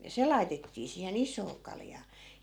ja se laitettiin siihen isoon kaljaan